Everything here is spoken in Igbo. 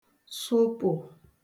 sụpụ̀